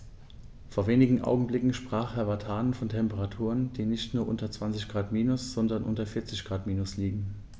Vor wenigen Augenblicken sprach Herr Vatanen von Temperaturen, die nicht nur unter 20 Grad minus, sondern unter 40 Grad minus liegen.